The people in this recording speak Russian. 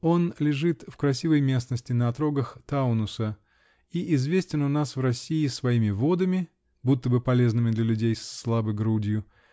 Он лежит в красивой местности, на отрогах Таунуса, и известен у нас в России своими водами, будто бы полезными для людей с слабой грудью.